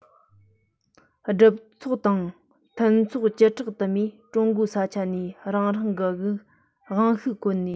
སྒྲུབ ཚོགས དང མཐུན ཚོགས བཅུ ཕྲག དུ མས ཀྲུང གོའི ས ཆ ནས རང རང གི དབང ཤུགས བཀོལ ནས